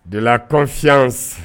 Dela kɔf